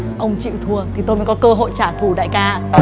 ông chịu thua thì tôi mới có cơ hội trả thù đại ca